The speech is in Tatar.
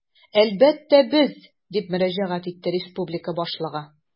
Әлбәттә, без, - дип мөрәҗәгать итте республика башлыгы.